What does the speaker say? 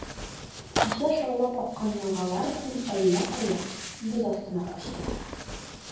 Кичә шаулап аккан елгалар бүген әллә кая, боз астына качты.